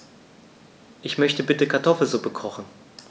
Ich möchte bitte Kartoffelsuppe kochen.